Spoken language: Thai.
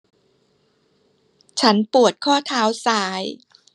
ฉันปวดข้อเท้าซ้าย